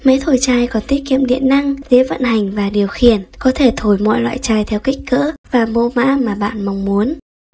máy thổi chai còn tiết kiệm điện năng dễ vận hành và điều khiển có thể thổi mọi loại chai theo kích cỡ và mẫu mã mà bạn mong muốn